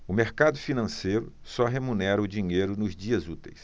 o mercado financeiro só remunera o dinheiro nos dias úteis